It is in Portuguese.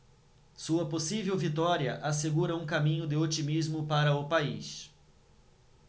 sua possível vitória assegura um caminho de otimismo para o país